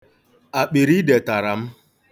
Akpịriide tara m.